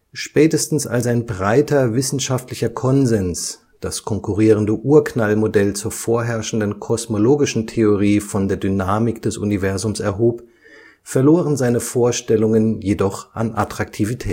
Spätestens als ein breiter wissenschaftlicher Konsens das konkurrierende Urknall-Modell zur vorherrschenden kosmologischen Theorie von der Dynamik des Universums erhob, verloren seine Vorstellungen jedoch an Attraktivität